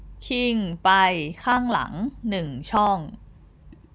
คิงไปข้างหลังหนึ่งช่อง